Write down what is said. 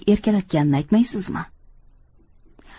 erkalatganini aytmaysizmi